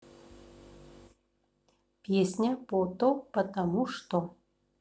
песня пото потому что